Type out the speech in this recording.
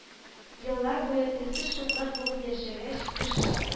Еллар буе телсез-чукрак булып яшәгәч, кеше